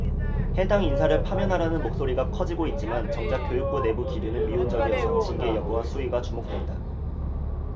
해당 인사를 파면하라는 목소리가 커지고 있지만 정작 교육부 내부기류는 미온적이어서 징계 여부와 수위가 주목된다